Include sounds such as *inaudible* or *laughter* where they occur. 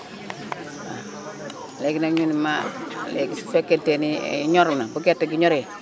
*noise* waaw léegi nag ñu ne ma *crosstalk* léegi su fekkee te ni *hesitation* ñor na bu gerte gi ñoree